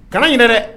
Kalan ɲin dɛ